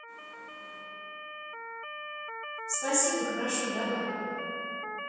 спасибо хорошо давай